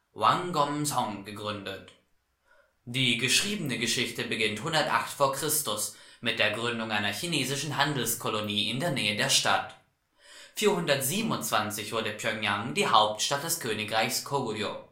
Wanggŏmsŏng (kor. 왕검성, Hanja 王儉城) gegründet. Die geschriebene Geschichte beginnt 108 v. Chr. mit der Gründung einer chinesischen Handelskolonie in der Nähe der Stadt. 427 wurde Pjöngjang die Hauptstadt des Königreichs Goguryeo